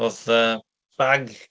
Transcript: Oedd, yy, bag.